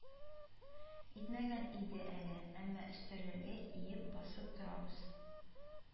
Итмәгән иде әле, әмма өстәлләргә иеп басып торабыз